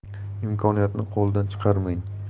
imkoniyatni qo'ldan chiqarmang